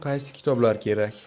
uchun qaysi kitoblar kerak